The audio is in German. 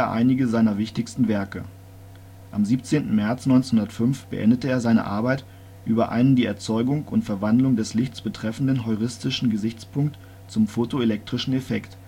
einige seiner wichtigsten Werke. Am 17. März 1905 beendete er seine Arbeit Über einen die Erzeugung und Verwandlung des Lichts betreffenden heuristischen Gesichtspunkt zum fotoelektrischen Effekt